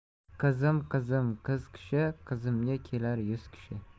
qizim qizim qiz kishi qizimga kelar yuz kishi